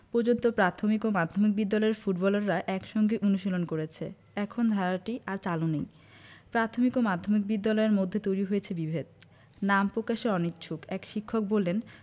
পর্যন্ত প্রাথমিক ও মাধ্যমিক বিদ্যালয়ের ফুটবলাররা একসঙ্গে অনুশীলন করেছে এখন ধারাটি আর চালু নেই প্রাথমিক ও মাধ্যমিক বিদ্যালয়ের মধ্যে তৈরি হয়েছে বিভেদ নাম প্রকাশে অনিচ্ছুক এক শিক্ষক বললেন